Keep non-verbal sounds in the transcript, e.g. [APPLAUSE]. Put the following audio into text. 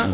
[HESITATION] [HESITATION]